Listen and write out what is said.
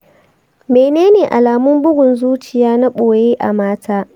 menene alamun bugun zuciya na ɓoye a mata?